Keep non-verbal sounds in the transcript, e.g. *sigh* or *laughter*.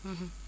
*hesitation* *hesitation*